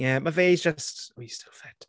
Ie, ma' fe... He's just, oh he's still fit.